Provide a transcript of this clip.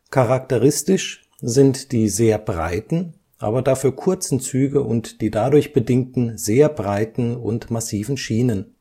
Charakteristisch sind die sehr breiten aber dafür kurzen Züge und die dadurch bedingten sehr breiten und massiven Schienen